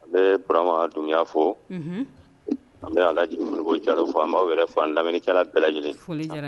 An bɛ Burama Dunbiya fo, unhun, an bɛ Alaji Modibo Jalo fo an b'aw yɛrɛ fo ani lamɛnnikɛla bɛɛ lajɛlen, foli diyara an ye